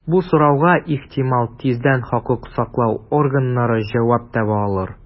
Бу сорауга, ихтимал, тиздән хокук саклау органнары җавап таба алыр.